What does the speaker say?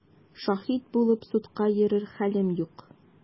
Шаһит булып судка йөрер хәлем юк!